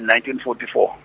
nineteen fourty four.